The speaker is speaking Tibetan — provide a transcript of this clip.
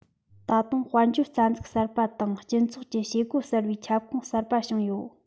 ད དུང དཔལ འབྱོར རྩ འཛུགས གསར པ དང སྤྱི ཚོགས ཀྱི བྱེད སྒོ སྤེལ བའི ཁྱབ ཁོངས གསར པ བྱུང ཡོད